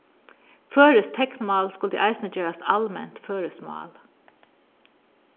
føroyskt teknmál skuldi eisini gerast alment føroyskt mál